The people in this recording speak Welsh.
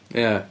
Ie.